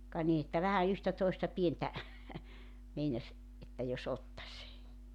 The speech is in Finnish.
ka niin että vähän yhtä toista pientä meinasi että jos ottaisi